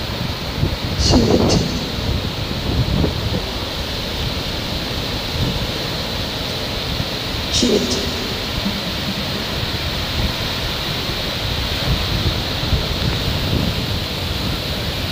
Seet, seet